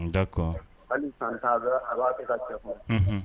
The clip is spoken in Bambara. Da hali san' a b'a ka cɛ